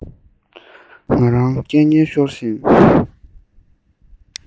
ང རང སྐད ངན ཤོར བཞིན